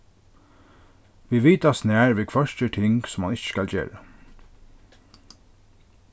vit vita at snar viðhvørt ger ting sum hann ikki skal gera